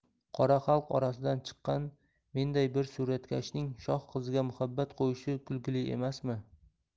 qora xalq orasidan chiqqan menday bir suratkashning shoh qiziga muhabbat qo'yishi kulgili emasmi